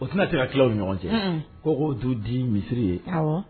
O tɛna tɛ ki ɲɔgɔn cɛ kogo du di misisiriri ye